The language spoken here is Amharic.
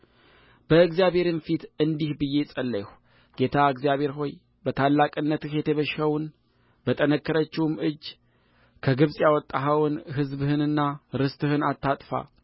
በእግዚአብሔር ፊት ወደቅሁበእግዚአብሔርም ፊት እንዲህ ብዬ ጸለይሁ ጌታ እግዚአብሔር ሆይ በታላቅነትህ የተቤዠኸውን በጠነከረችውም እጅ ከግብፅ ያወጣኸውን ሕዝብህንና ርስትህን አታጥፋ